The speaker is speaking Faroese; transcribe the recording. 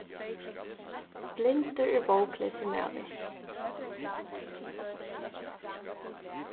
blindur er bókleysur maður